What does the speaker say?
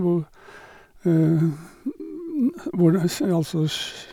hvor hvor det s altså skj...